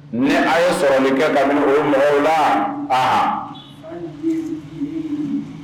Ni a' ye sɔrɔɔni kɛ daminɛ o mɔgɔ la a